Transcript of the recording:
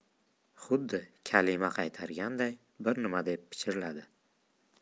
xuddi kalima qaytarganday bir nima deb pichirladi